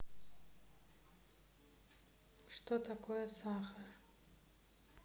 что такое сахар